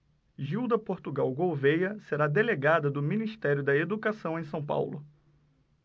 gilda portugal gouvêa será delegada do ministério da educação em são paulo